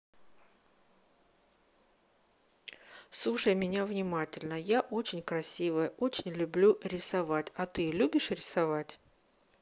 слушай меня внимательно я очень красивая очень люблю рисовать а ты любишь рисовать